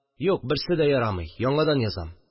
Юк, берсе дә ярамый, яңадан язам.